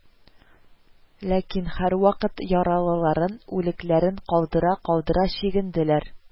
Ләкин һәрвакыт яралыларын, үлекләрен калдыра-калдыра чигенделәр